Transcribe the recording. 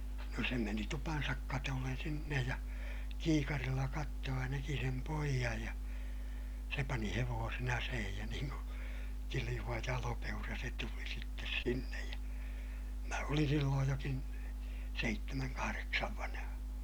no se meni tupansa katolle sinne ja kiikarilla katsoi ja näki sen pojan ja se pani hevosen aseihin ja niin kuin kiljuva jalopeura se tuli sitten sinne ja minä olin silloin jokin seitsemän kahdeksan vanha